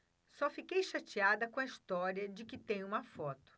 só fiquei chateada com a história de que tem uma foto